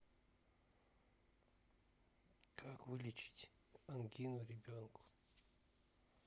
как вылечить ангину ребенку